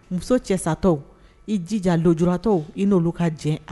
Muso cɛ satɔ i jija jtɔ i n'olu ka jɛ a